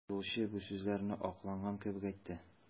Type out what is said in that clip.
Юлчы бу сүзләрне акланган кебек әйтте.